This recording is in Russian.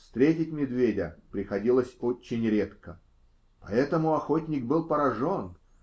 встретить медведя приходилось очень редко. Поэтому охотник был поражен